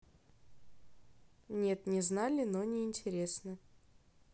нет не знали но не интересно